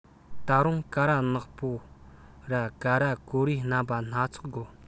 ད རུང ཀ ར ནག པོ ར ཀ ར གོ རེ རྣམ པ སྣ ཚོགས དགོ